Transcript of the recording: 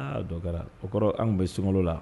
Dɔ kɛra o kɔrɔ anw bɛ so la